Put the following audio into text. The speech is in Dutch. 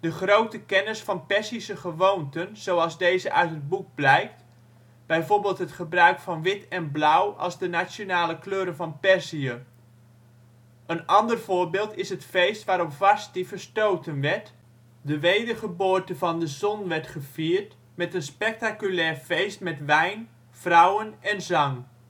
grote kennis van Perzische gewoonten zoals deze uit het boek blijkt (bijvoorbeeld het gebruik van wit en blauw als de nationale kleuren van Perzië). Een ander voorbeeld is het feest waarop Vasthi verstoten werd: de wedergeboorte van de zon werd gevierd met een spectaculair feest met wijn, vrouwen en zang